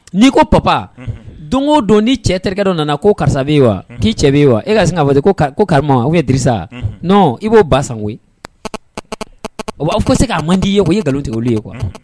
N'i ko pap don o don ni cɛ terikɛda nana ko karisa b'i wa k'i cɛ b'i wa e ka se ka ko karamɔgɔ aw ye disa n i b'o ba san koyi o b'a fo se'a man di i ye ko ye nkalonlo tigili ye kuwa